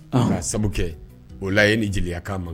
Anhan, k'a sabu kɛ o la yani jeliyakan ma